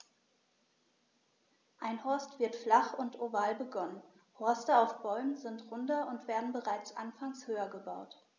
Ein Horst wird flach und oval begonnen, Horste auf Bäumen sind runder und werden bereits anfangs höher gebaut.